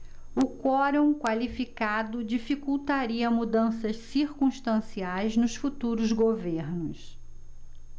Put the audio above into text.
o quorum qualificado dificultaria mudanças circunstanciais nos futuros governos